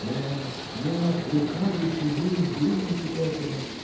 – Нет, нет, лукавите, вы не думаете этого